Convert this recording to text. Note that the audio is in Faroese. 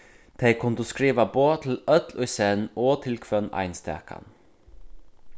tey kundu skriva boð til øll í senn og til hvønn einstakan